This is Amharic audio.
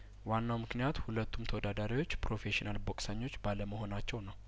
ዋናው ምክንያት ሁለቱም ተወዳዳሪዎች ፕሮፌሽናል ቦክሰኞች ባለመሆ ናቸው ነው